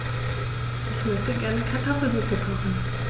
Ich möchte gerne Kartoffelsuppe kochen.